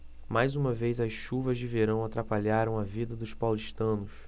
mais uma vez as chuvas de verão atrapalharam a vida dos paulistanos